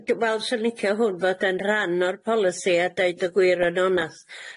Diolch yy d- wel swn licio hwn fod yn rhan o'r polisi a deud y gwir yn onast.